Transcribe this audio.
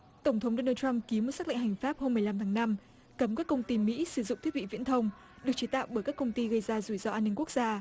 tổng thống đo nồ trăm ký sắc lệnh hành pháp hôm mười lăm tháng năm cấm các công ty mỹ sử dụng thiết bị viễn thông được chế tạo bởi các công ty gây ra rủi ro an ninh quốc gia